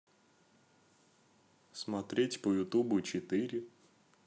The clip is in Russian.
смотреть по ютубу четыре